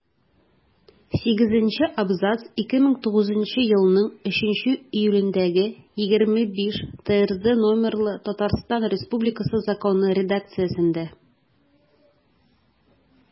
Сигезенче абзац 2009 елның 3 июлендәге 25-ТРЗ номерлы Татарстан Республикасы Законы редакциясендә.